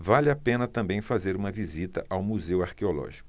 vale a pena também fazer uma visita ao museu arqueológico